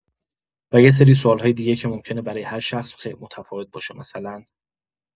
و یسری سوال‌های دیگه که ممکنه برای هر شخص متفاوت باشه مثلا